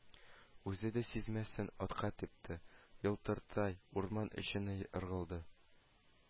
Үзе дә сизмәсен атка типте, елтыртай урман эченә ыргылды,